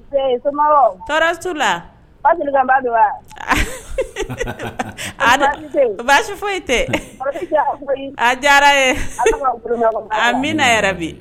Tɔɔrɔ su la baasi foyi tɛ a diyara ye a bɛna yɛrɛ bi